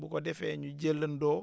bu ko defee ñu jëlandoo